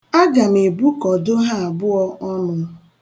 Aga m ebukọdo ha abụọ ọnụ.